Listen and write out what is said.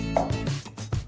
vị